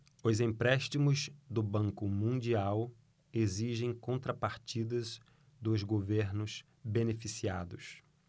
os empréstimos do banco mundial exigem contrapartidas dos governos beneficiados